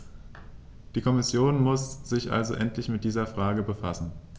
Die Kommission muss sich also endlich mit dieser Frage befassen.